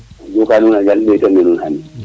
joka nuuna njal mete na nuun xane